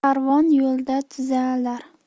karvon yo'lda tuzalar